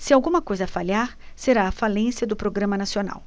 se alguma coisa falhar será a falência do programa nacional